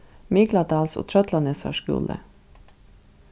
mikladals og trøllanesar skúli